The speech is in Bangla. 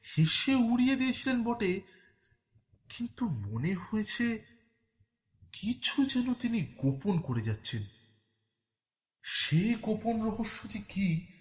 হেসে উড়িয়ে দিয়েছিলেন বটে কিন্তু মনে হয়েছে কিছু যেন তিনি গোপন করে যাচ্ছেন সেই গোপন রহস্য টি কি